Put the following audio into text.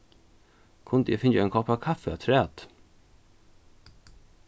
kundi eg fingið ein kopp av kaffi afturat